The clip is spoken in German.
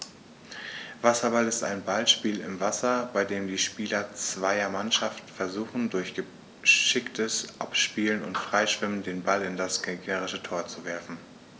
Wasserball ist ein Ballspiel im Wasser, bei dem die Spieler zweier Mannschaften versuchen, durch geschicktes Abspielen und Freischwimmen den Ball in das gegnerische Tor zu werfen.